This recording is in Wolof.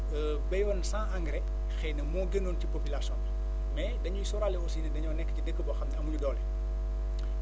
béyoon sans engrais xëy na moo gënoon ci population bi mais dañuy sóoraale aussi ne dañoo nekk ci dëkk boo xam ne amuñu doole